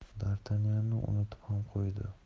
dartanyanni unutib ham qo'ydi